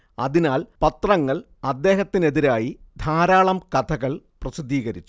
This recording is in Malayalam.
അതിനാൽ പത്രങ്ങൾ അദ്ദേഹത്തിനെതിരായി ധാരാളം കഥകൾ പ്രസിദ്ധീകരിച്ചു